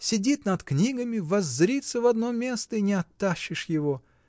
сидит над книгами, воззрится в одно место, и не оттащишь его!